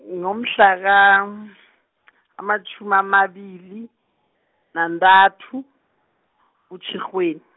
ngomhlaka , amatjhumi amabili, nantathu, kuTjhirhweni.